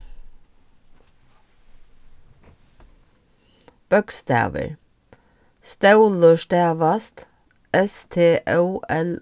bókstavir stólur stavast s t ó l